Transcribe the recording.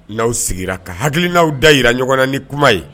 N'aw sigira ka hakilikil n'aw da yira ɲɔgɔnna ni kuma ye